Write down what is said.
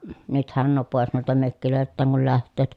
nythän nuo pois noilta mökeiltään kun lähtevät